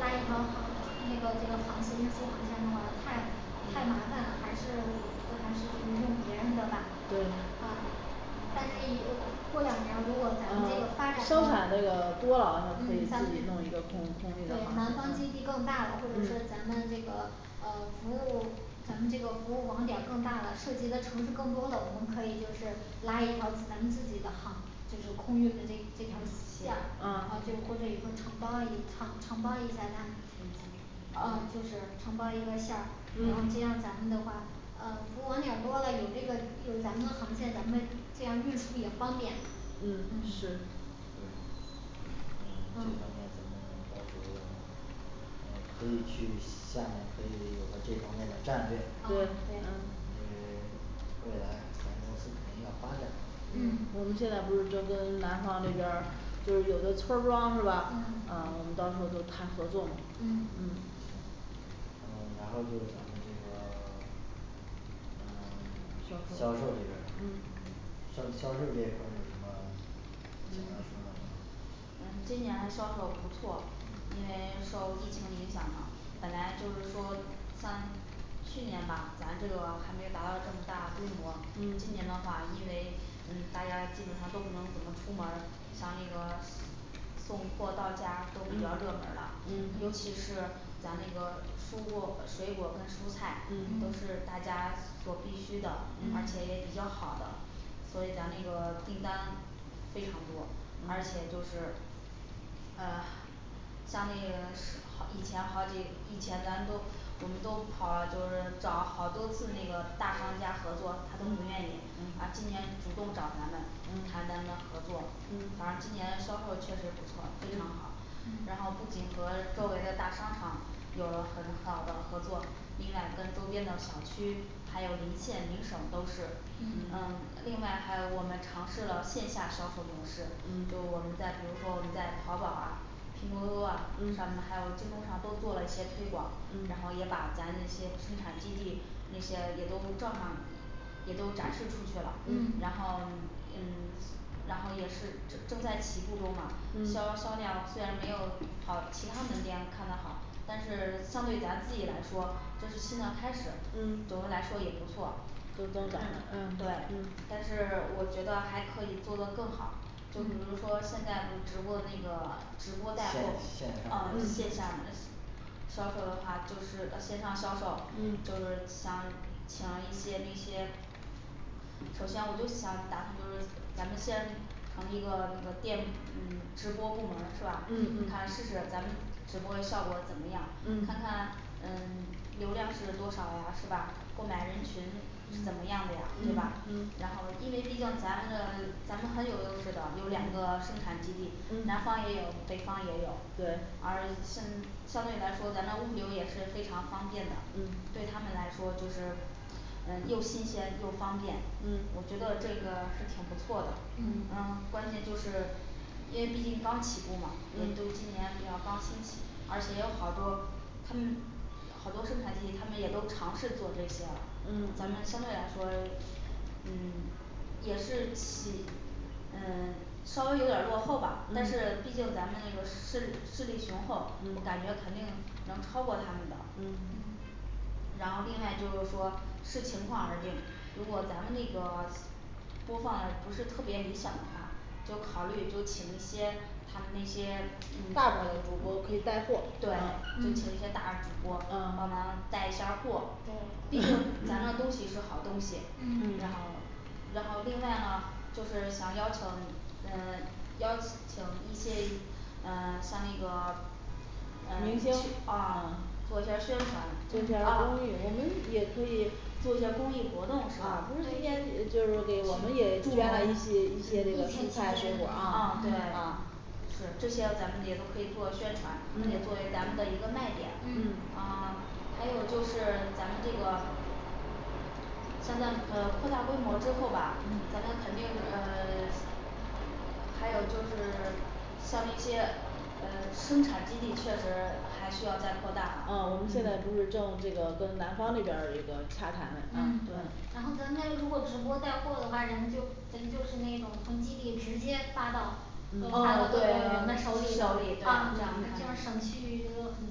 拉一条航那个这个航行运输航线的话，太太麻烦了，还是我觉得还是用别人的吧对啊但是一呃过两年儿如果咱们这个发啊展嗯生产咱们这个多了，他可以自己弄一个空空运的对航南方线基地嗯更大了或者是咱们这个呃服务咱们这个服务网点儿更大了，涉及的城市更多了，我们可以就是拉一条咱们自己的航就是空运的这这条线儿然啊后就过这承包一承承包一下他呃就是承包一个线儿这嗯样咱们的话呃服务网点儿多了，有这个既有咱们航线，咱们这样运输也方便嗯嗯是嗯这方面咱嗯们到时候要呃可以去下面可以有个这方面的战略因为啊对 对嗯因为未来咱们公司肯定要发展嗯我们现在不是正跟南方那边儿就是有的村儿庄是吧？嗯啊我们到时候都谈合作嘛嗯嗯行呃然后就咱们这个 销呃 售销售这边儿嗯销销售这一块儿有什么想要说的呃今年的销售不错，嗯因为受疫情影响嘛，本来就是说像去年嘛咱这个还没达到这么大规模，嗯今年的话因为嗯大家基本上都能怎么出门儿像那个送货到家都比较嗯热门儿了，嗯尤其是咱那个蔬果呃水果跟蔬菜都嗯嗯是大家所必需的而且嗯也比较好的。所以咱那个订单非常多，而且就是呃像那个是 好以前好几以前咱都我们都跑了，就是找好多次那个大商家合作，他都不愿意啊嗯嗯今年主动找咱们谈嗯咱们合作嗯反正今年销售确实不错非常好然后嗯不仅和周围的大商场有了很好的合作，邻俩个周边的小区还有邻县邻省都是呃另外还有我们尝试了线下销售模式，就嗯我们在比如说我们在淘宝啊拼多多啊上面，还嗯有京东上都做了一些推广，然嗯后也把咱那些生产基地那些也都照上了也都展示出去了，然嗯嗯后嗯然后也是正正在起步中嘛，嗯销销量虽然没有好，其他门店开的好，但是相对咱自己来说这是新的开始嗯总的来说也不错就增长了嗯呃嗯对嗯但是我觉得还可以做得更好就比如嗯说现在直播那个直播带货线线上啊嗯线下的销售的话就是呃线上销售就嗯是想请一些那些首先我就想打那个咱们先从一个那个店嗯直播部门儿是吧嗯嗯看试试咱们直播效果怎么样，看看嗯嗯流量是多少呀是吧购买人群怎么样的呀对嗯吧？嗯然后因为毕竟咱们的咱们很有优势的有两嗯个生产基地嗯，南嗯方也有，北方也有对而嘞相对来说咱们物流也是非常方便的嗯对他们来说就是呃又新鲜又方便，我嗯觉得这个是挺不错的。嗯呃关键就是因为毕竟刚起步嘛，也都嗯今年比较刚兴起而且有好多嗯好多生产基地他们也都尝试做这些了。咱们嗯相对来说嗯也是起呃 稍微有点儿落后吧，但是毕嗯竟咱们那个势势力雄厚，我感觉嗯肯定能超过他们的嗯嗯然后另外就是说视情况而定，如果咱们那个播放不是特别理想的话，就考虑就请一些他们那些直大牌儿的主播可以带货对对嗯请一些嗯大主播帮咱们啊带一下货儿毕竟 咱们东西 是好东西嗯然后要另外呢就是想邀请呃 邀请一些呃 像那个呃明去星啊做一下儿宣传做嗯一下儿公啊益我们也可以做一些公益活动啊啊不是今年对呃就是给我们也捐了一些一些这个蔬菜水果儿啊啊是这些咱们也都可以做宣传，可以作嗯为咱们的一个卖点儿嗯啊还有就是咱们这个现在的扩大规模之后吧，嗯咱们肯定呃 还有就是 像一些呃生产基地确实还需要再扩大嘛啊我们现在不是正这个跟南方那边儿有一个洽谈嘞嗯嗯然后咱们如果直播带货的话，咱们就咱们就是那种从基地直接发到发啊对人的手手里里，对嗯那这嗯样儿省去一个很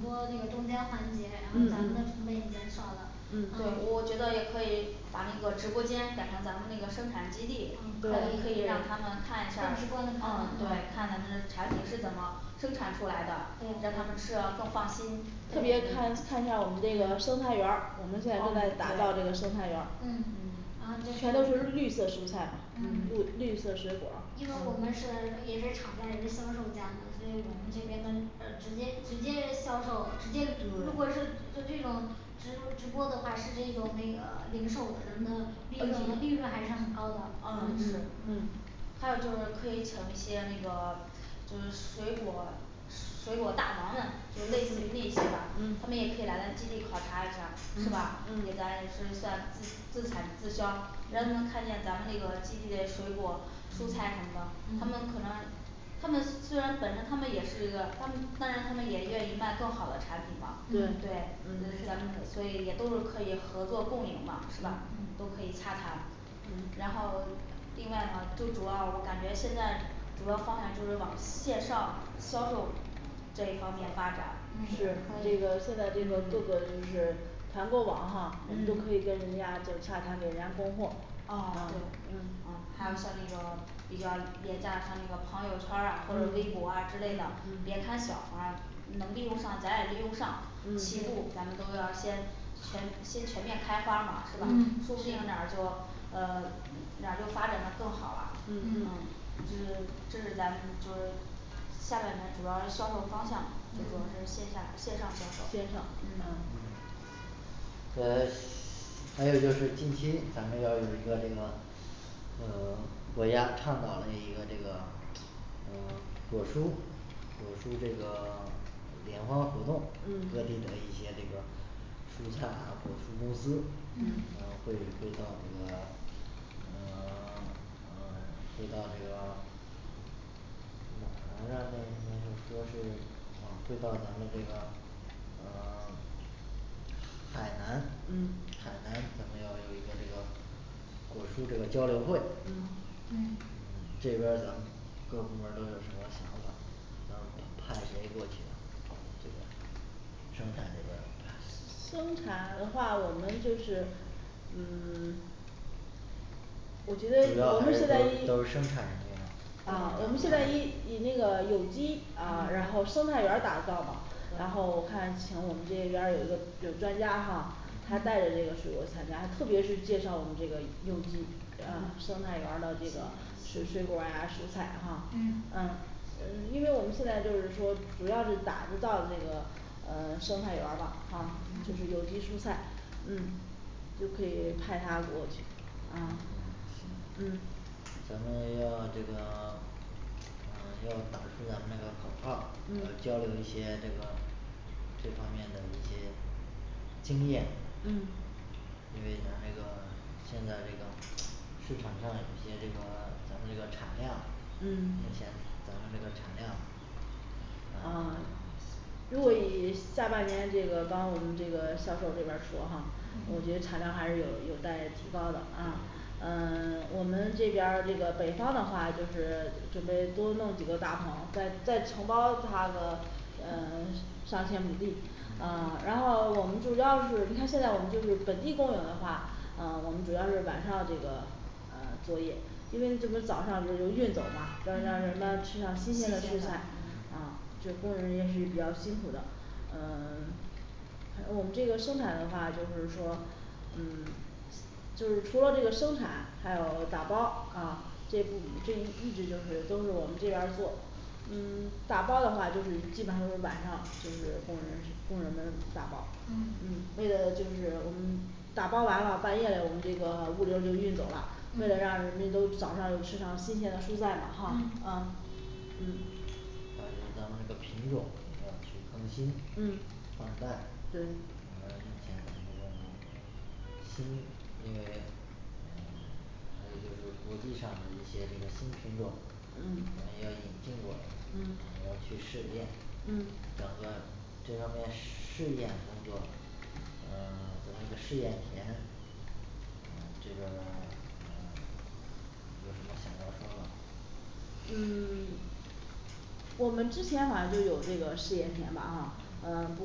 多这个中间环节，然嗯后咱们的储备嗯减少嗯对我觉得也可以把那个直播间改成咱们那个生产基地，啊对可以可以让他们看一下更儿直观的啊看对对看咱们的产品是怎么生产出来的，对让他们吃的更放心特别看看一下儿我们这个生态园儿，我们现在正在打造这个生态园儿嗯嗯然后全都就是是绿色蔬菜嗯绿绿色水果儿啊因为我们是嗯也是厂家也是销售家，所以我们这边儿的呃直接直接销售直接如果是就这种直直播的话，是这种那个零售的，咱们利润利润还是很高的嗯啊嗯嗯还有就是可以请一些那个就水果水果大王，就类似于那些的，他嗯们也可以来咱基地考察一下儿嗯是吧对嗯咱也是算自自产自销让他们看见咱们这个基地的水果蔬嗯菜什么的，他们嗯可能他们虽然本身他们也是一个，当当然他们也愿意卖更好的产品嘛，对对呃嗯是咱们所以也都是可以合作共赢嘛是吧都嗯可以洽谈嗯然后另外嘛就主要我感觉现在主要方向就是往线上销售这一方面发展是嗯这个现在这个各个就是团购网哈我们都可嗯以跟人家就洽谈给人家供货啊啊对嗯还有像那个比较廉价的像那个朋友圈儿啊或者微嗯博儿啊之嗯类的，嗯别看小啊能利用上，咱也利用上进嗯步咱们都要先前期全面开发吧不嗯行点儿就呃 哪儿就发展的更好啊嗯嗯嗯就是这是咱就是下半年主要销售方向，这主要嗯是线下线上销售线上嗯嗯嗯咱还有就是近期咱们要有一个这个呃 国家倡导的一个这个呃 果蔬果蔬这个 联欢活动科技嗯的一些这个蔬菜啊果蔬公司嗯，会比如说那个呃 呃 会到这个呃咱们的那那个说是啊就到咱们这个呃 海南嗯海南可能要有一个这个果蔬这个交流会嗯嗯嗯这边儿咱们各部门儿都有什么想法，然后派谁过去呢咱们这边儿生产这边儿派谁去生产的话我们就是嗯 我觉主得我要还们现是都在一都是生产什么呀啊我们现在以以那个有机啊然后生态园儿打造嘛，然后我看请我们这边儿有一个有专家哈他带着这个嗯水果参加，特别是介绍我们这个有机呃生态园儿的这个水水果儿啊，蔬菜哈嗯啊呃因为我们现在就是说主要就打造这个呃 生态园儿嘛哈，就是有嗯嗯机蔬菜嗯就可以派他过去啊嗯行嗯咱们要这个 嗯要打出咱们那个口号儿和嗯交流一些这个这方面的一些经验嗯因为咱这个现在这个市场上有一些这个咱这个产量嗯目前咱们这个产量啊如果以下半年这个刚我们这个销售这边儿说哈，我觉得嗯嗯产量还是有有待提高的啊呃 我们这边儿这个北方的话就是准备多弄几个大棚，再再承包他的呃 上千亩地，呃 然后我们主要是你看现在我们就是本地供应的话呃我们主要是晚上这个呃作业因为这不是早上就就运走嘛，要让人嗯们吃上新鲜的蔬菜啊这工人也是比较辛苦的嗯 哦这个生产的话就是说嗯 就除了这个生产还有打包儿啊这部这一一直就是都是我们这边儿做嗯 打包的话就是基本上都是晚上就是工人工人们打包儿，嗯嗯为了就是我们打包儿完了半夜嘞我们这个物流儿就运走了，为了让人嗯们都早上就吃上新鲜的蔬菜嘛哈嗯嗯嗯但是咱们的品种一定要去更新嗯换代对你们下去一定要更新因为呃还有就是国际上的一些这个新品种咱们嗯要引进过来，咱们嗯要去试验嗯整顿这方面试验工作，呃 咱们这个试验田？嗯这个 呃有什么想要说的吗嗯 我们之前好像就有这个试验田嘛哈，呃嗯不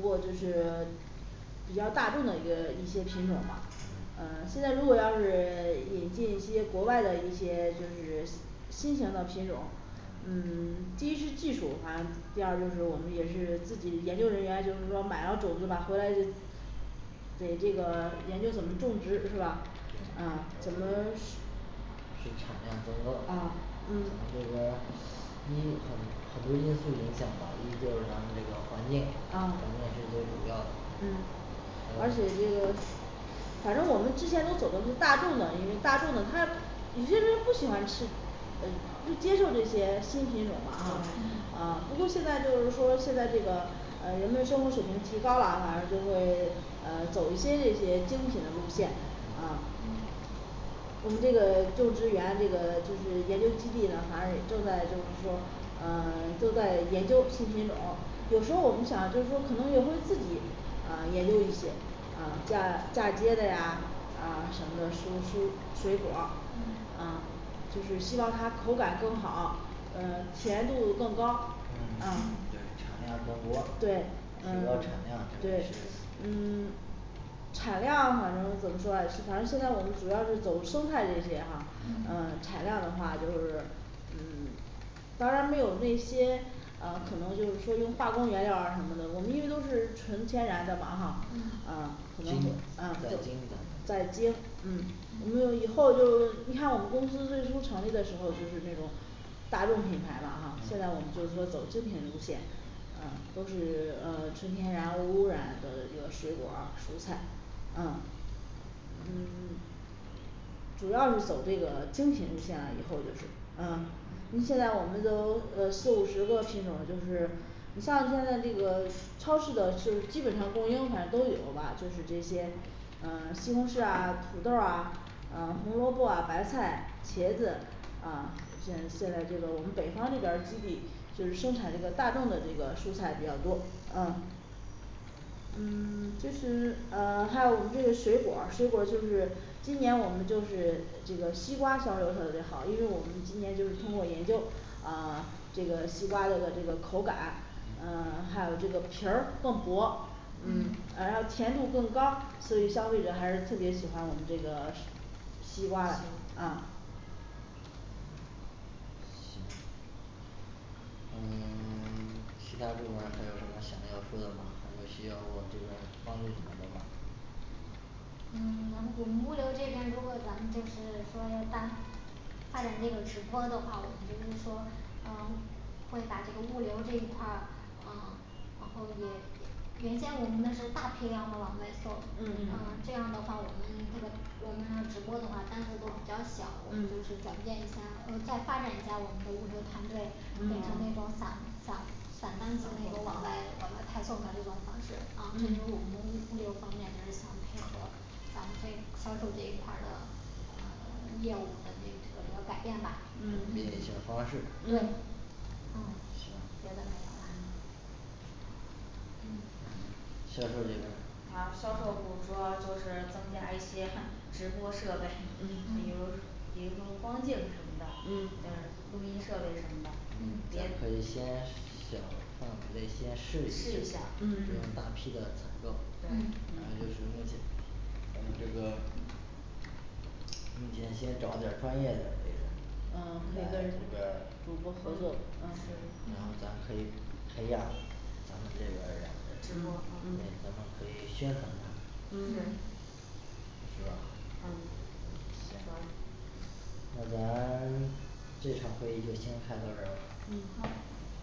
过就是比较大众的一个一些品种吧。呃嗯现在如果要是 引进一些国外的一些就是新型的品种儿嗯嗯 第一是技术反正，第二就是我们也是自己研究人员，就是说买了种子吧回来就得这个研究怎么种植是吧啊我们是对怎么使产量增高啊嗯就是一很多因素影响吧，一就是咱们这个环境环啊境是最主要的嗯而且这个反正我们之前都走的是大众的因为大众的他有些人不喜欢吃呃不接受这些新品种儿嘛哈嗯，呃不过现在就是说现在这个呃人们生活水平提高了，反正就会 呃走一些这些精品的路线啊嗯我们这个就职员这个就是研究基地的反正正在就是说呃 都在研究新品种，有时候我们想就是说可能也会自己呃研究一些呃嫁嫁接的呀呃什么的蔬蔬水果儿嗯，啊就是希望它口感更好，呃 甜度更高啊对产量更高对嗯提高产量对嗯 产量反正怎么说啊，反正现在我们主要是走生态这些哈呃 嗯产量的话就是嗯 当然没有那些呃可能就是说用化工原料儿啊什么的，我们因为都是纯天然的嘛哈嗯呃可能精啊在精准在精嗯我们以嗯后，就是说你看我们公司最初成立的时候就是那种大众品牌嘛哈，现在我们就是说走精品路线呃都是呃纯天然无污染的这个水果儿蔬菜啊嗯 主要是走这个精品路线了以后就是嗯以现在我们这都呃四五十个品种儿就是你像现在这个超市的就基本上供应反正都有吧就是这些呃西红柿啊、土豆儿啊、呃红萝卜啊、白菜、茄子嗯呃现现在这个我们北方这边儿基地就是生产这个大众的这个蔬菜比较多啊嗯 就是呃还有我们这个水果儿水果就是今年我们就是呃这个西瓜销售特别好因为我们今年就是通过研究呃 这个西瓜的的这个口感呃 还有这个皮儿更薄，嗯嗯呃然后甜度更高，所以消费者还是特别喜欢我们这个是 西瓜的啊行嗯 其他部门还有什么想要说的吗还是需要我这边儿帮助你们的吗嗯 我们物流这边，如果咱们就是说要大发展这个直播的话，我们就是说呃 会把这个物流这一块儿呃然后也也原先我们的大批量的往外送，呃嗯嗯这样的话我们这个我们要直播的话单子都比较小，我们就嗯是转变一下，呃再发展一下我们的物流儿团队变成嗯那种散散散单子那种往外往外派送的这种方式，啊这就是嗯我们物流儿方面，就是想配合想配销售这一块儿的呃业务的那个改变吧嗯嗯对解嗯决方式嗯行别的没有了嗯嗯销售这边儿啊销售部说就是增加一些直播设备，嗯比如说嗯比如说光镜什么的嗯像录音设备什么的嗯咱嗯可以先小范围嘞先试一试试一下不用嗯大批的采购，然后嗯就是目前咱们这个目前先找点儿专业的那种啊咱这边儿可以再是逐步合作啊是然后嗯咱们可以培养咱们这边儿的直嗯播对咱嗯们可以宣传他们嗯是吧啊行啊那咱 这场会议就先开到这儿了嗯好